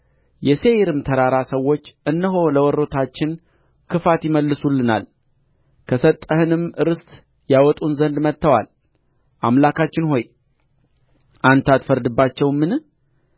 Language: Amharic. የሴይርም ተራራ ሰዎች እነሆ ለወሮታችን ክፋት ይመልሱልናል ከሰጠኸንም ርስት ያወጡን ዘንድ መጥተዋል አምላካችን ሆይ አንተ አትፈርድባቸውምን